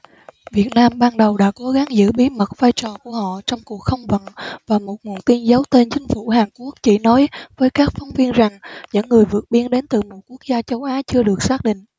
việt nam ban đầu đã cố gắng giữ bí mật vai trò của họ trong cuộc không vận và một nguồn tin giấu tên chính phủ hàn quốc chỉ nói với các phóng viên rằng những người vượt biên đến từ một quốc gia châu á chưa được xác định